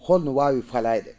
holno waawirtee falee?e